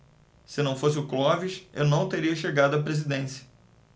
se não fosse o clóvis eu não teria chegado à presidência